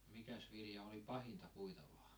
mikäs vilja oli pahinta puitavaa